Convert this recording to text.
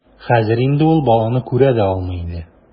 Хәзер инде ул баланы күрә дә алмый иде.